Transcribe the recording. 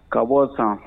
Ka bɔ San